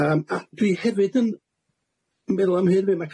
Yym a dwi hefyd yn yn meddwl am hyn 'fyd ma'